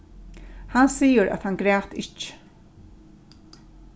hann sigur at hann græt ikki